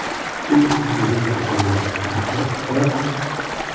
tez tez yurib ko'chaga chiqdi